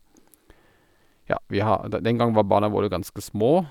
Ja, vi har da den gang var barna våre ganske små.